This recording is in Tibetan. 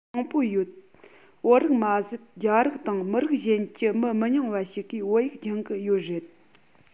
མང པོ ཡོད བོད རིགས མ ཟད རྒྱ རིགས དང མི རིགས གཞན གྱི མི མི ཉུང བ ཞིག གིས བོད ཡིག སྦྱོང གི ཡོད རེད